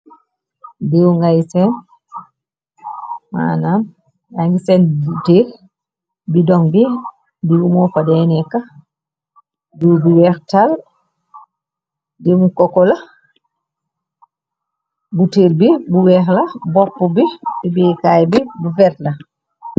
Diiw ngay sen, manam yangi seen buteel, bi doŋ bi diiw mo fa de neka, diiw bu weextal, diiwi kokola, butiil bi bu weex la, bopp bi obekaay bi bu verte la.